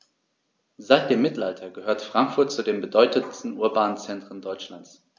Seit dem Mittelalter gehört Frankfurt zu den bedeutenden urbanen Zentren Deutschlands.